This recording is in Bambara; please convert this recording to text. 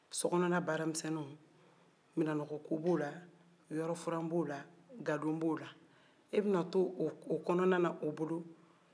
sokɔnɔnan baaraminsɛnniw minɛnɔgɔko b'o la yɔrɔfuran b'o la gadon b'o la e bɛna to o kɔnɔna na o bolo